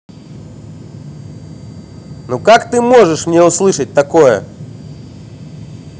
ну как ты можешь мне услышать такое